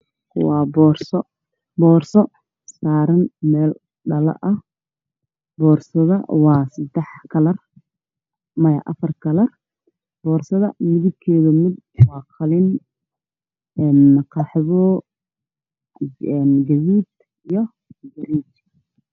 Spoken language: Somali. Waa naago fadhiyo iskuul waxay haystaan buugaag io qalimo waxay qorayaan cashar madaxa qaar wuu u duuban yahay